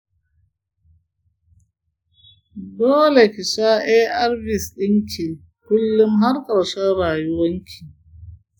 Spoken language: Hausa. dole ki sha arvs ɗinki kullun har ƙarshen rayuwanki.